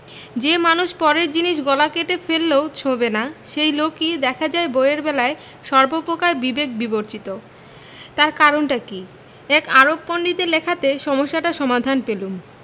যে মানুষ পরের জিনিস গলা কেটে ফেললেও ছোঁবে না সেই লোকই দেখা যায় বইয়ের বেলায় সর্বপকার বিবেক বিবর্জিত তার কারণটা কি এক আরব পণ্ডিতের লেখাতে সমস্যাটার সমাধান পেলুম